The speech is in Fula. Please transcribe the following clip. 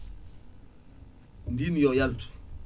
ndin yo yaltu